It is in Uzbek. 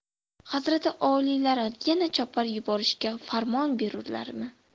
hazrati oliylari yana chopar yuborishga farmon berurlarmi